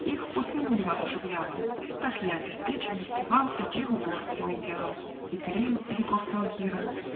Их после муза оживила: Так я, беспечен, воспевал И деву гор, мой идеал, И пленниц берегов Салгира.